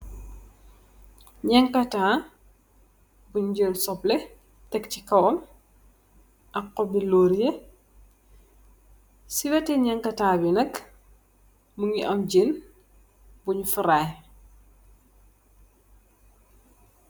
Nyankata bun jel sople teck si kawam ak hopbi loriya si weti nyankata bi nak mogi am jeen bung fry.